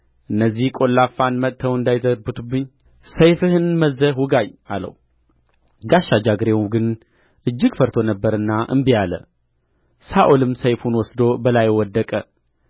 እነዚህ ቈላፋን መጥተው እንዳይዘብቱብኝ ሰይፍህን መዝዘህ ውጋኝ አለው ጋሻ ጃግሬው ግን እጅግ ፈርቶ ነበርና እንቢ አለ ሳኦልም ሰይፉን ወስዶ በላዩ ወደቀ